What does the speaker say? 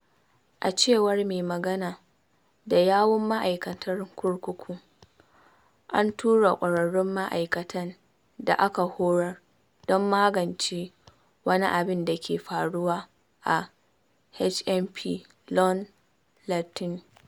A cewar mai magana da yawun Ma’aikatar Kurkuku: “An tura ƙwararrun ma’aikatan da aka horar don magance wani abin da ke faruwa a HMP Long Lartin.